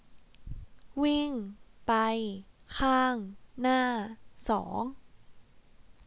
วิ่งไปข้างหน้าสอง